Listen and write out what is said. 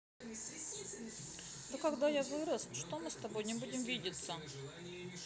да когда я вырос что мы с тобой не будем видеться